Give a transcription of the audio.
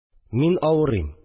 Мин авырыйм